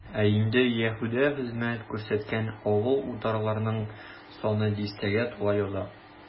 Ә инде Яһүдә хезмәт күрсәткән авыл-утарларның саны дистәгә тула яза.